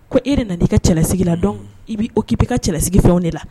Ko e de nana'i ka cɛlasigi la dɔn i b' k'i ka cɛlasigi fɛw de la